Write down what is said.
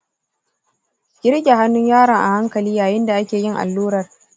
ki rike hanun yaron a hankali yayin da ake yin allurar